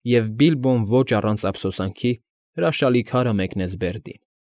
Եվ Բիլբոն ոչ առանց ափսոսանքի հրաշալի քարը մեկնեց Բերդին։